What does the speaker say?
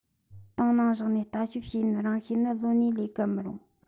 ཏང ནང བཞག ནས ལྟ ཞིབ བྱེད ཡུན རིང ཤོས ནི ལོ གཉིས ལས བརྒལ མི རུང